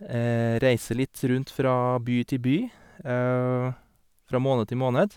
Reise litt rundt fra by til by, fra måned til måned.